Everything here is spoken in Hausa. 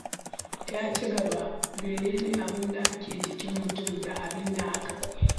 Ya ci gaba: Mene ne abin da ke jikin mutum da abin da aka koyar?